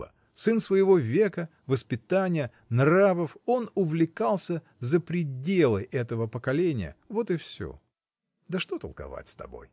сын своего века, воспитания, нравов, он увлекался за пределы этого поклонения — вот и всё. Да что толковать с тобой!